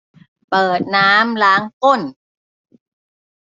เปิดน้ำล้างก้น